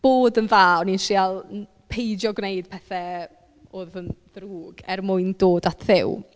Bod yn dda, o'n i'n treial peidio gwneud pethau oedd yn ddrwg er mwyn dod at Dduw.